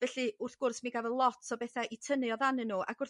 felly wrth gwrs mi gafo' lot o betha' i tynnu oddanyn n'w ac wrth